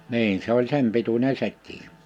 niin se oli sen pituinen sekin